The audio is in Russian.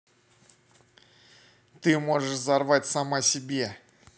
ты можешь взорвать сама себе